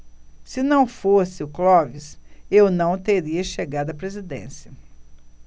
se não fosse o clóvis eu não teria chegado à presidência